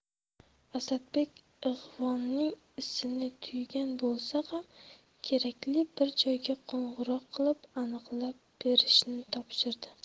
asadbek ig'voning isini tuygan bo'lsa ham kerakli bir joyga qo'ng'iroq qilib aniqlab berishni topshirdi